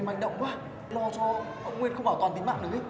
manh động quá lo cho ông nguyên không bảo toàn tính mạng được ý